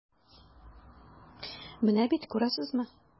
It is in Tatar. Менә бит, күрәсезме.